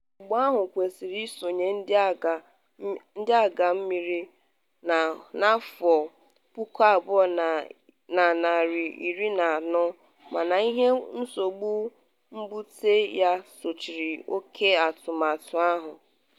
Ụgbọ ahụ kwesịrị isonye Ndị Agha Mmiri na 2014, mana ihe nsogbu mbute ya sochiri oke atụmatụ ahụ.